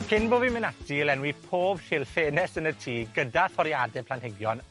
Cyn bo' fi'n mynd ati i lenwi pob shilff ffenest yn y tŷ gyda toriade planhigion,